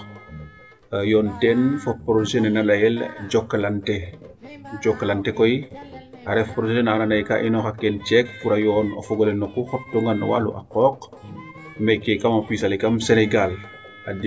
Yoon teen fo projet ne naa layel jokalante, jokalante koy a ref projet naa andoona ye kaa i noox a keen ceek pour a yoon o fog ole no ku xottoonga no walu a qooq meeke kam a piis ale kam Senegal.